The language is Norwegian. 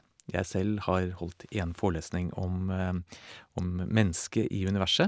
Jeg selv har holdt en forelesning om om mennesket i universet.